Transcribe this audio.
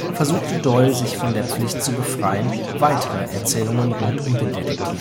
versuchte Doyle, sich von der Pflicht zu befreien, weitere Erzählungen rund um den Detektiv